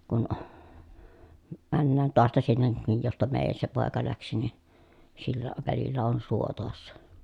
kun mennään taasta sinne niin josta meidänkin se poika lähti niin sillä välillä on suo tuossa